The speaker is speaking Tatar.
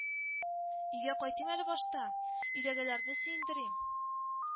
— өйгә кайтыйм әле башта, өйдәгеләрне сөендерим